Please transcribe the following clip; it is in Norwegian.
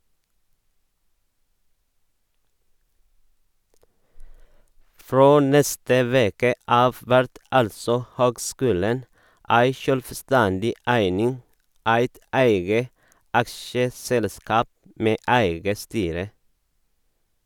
Frå neste veke av vert altså høgskulen ei sjølvstendig eining, eit eige aksjeselskap med eige styre.